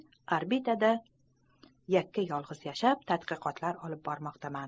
orbitada yakka yolg'iz yashab tadqiqotlar olib bormoqdaman